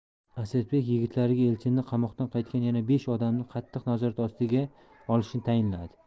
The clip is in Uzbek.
asadbek yigitlariga elchinni qamoqdan qaytgan yana besh odamni qattiq nazorat ostiga olishni tayinladi